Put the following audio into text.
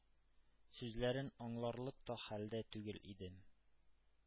Сүзләрен аңларлык та хәлдә түгел идем.